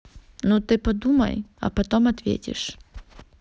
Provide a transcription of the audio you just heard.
ну ты подумай а потом ответишь